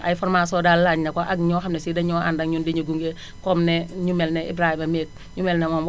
ay formations daal laaj na ko ak ñoo xam ne si dañoo ànd ak ñoom diñu gunge comme ne ñu mel ne Ibrahima meeg ñu mel ne moom